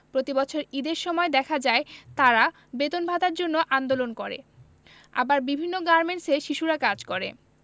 প্রতিবছর ঈদের সময় দেখা যায় তারা বেতন ভাতার জন্য আন্দোলন করে আবার বিভিন্ন গার্মেন্টসে শিশুরা কাজ করে